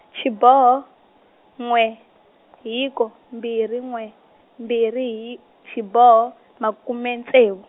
xiboho, n'we , hiko mbirhi n'we, mbirhi hi- xiboho makume ntsevu.